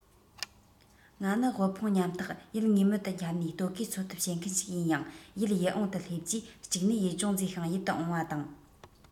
ང ནི དབུལ ཕོངས ཉམས ཐག ཡུལ ངེས མེད དུ འཁྱམས ནས ལྟོ གོས འཚོལ ཐབས བྱེད མཁན ཞིག ཡིན ཡང ཡུལ ཡིད འོང དུ སླེབས རྗེས གཅིག ནས ཡུལ ལྗོངས མཛེས ཤིང ཡིད དུ འོང བ དང